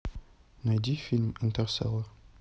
найди фильм интерстеллар